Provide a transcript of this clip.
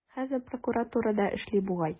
Хәзер прокуратурада эшли бугай.